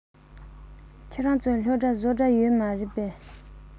ཁྱོད རང ཚོའི སློབ གྲྭར བཟོ གྲྭ ཡོད རེད པས